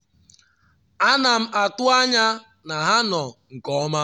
A na m atụ anya na ha nọ nke ọma.”